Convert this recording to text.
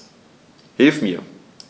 Hilf mir!